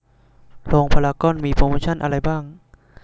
โรงพารากอนมีโปรโมชันอะไรบ้าง